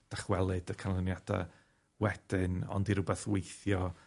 dychwelyd y canlyniada wedyn, ond i rwbeth weithio